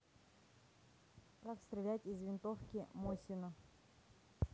как стрелять из винтовки мосина